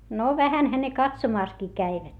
no vähänhän ne katsomassakin kävivät